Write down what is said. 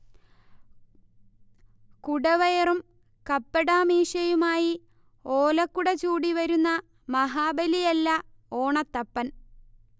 കുടവയറും കപ്പടാമീശയുമായി ഓലക്കുട ചൂടിവരുന്ന മഹാബലിയല്ല ഓണത്തപ്പൻ